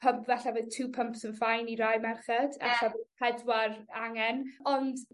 pump falle bydd two pumps yn fine i rai merched elle... Ie. ...pedwar angen ond